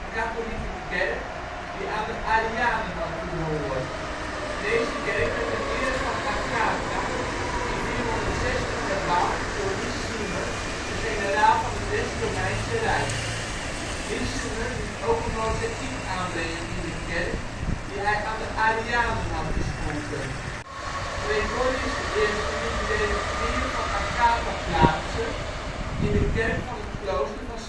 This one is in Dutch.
katholieke kerk die aan de arianen had toebehoord. Deze kerk werd ter ere van Agatha in 460 herbouwd door Ricimer, de generaal van het West-Romeinse Rijk. Ricimer liet ook een mozaïek aanbrengen in de kerk, die hij aan de arianen had geschonken. Gregorius I liet relikwieën van Agatha plaatsen in de kerk van het klooster van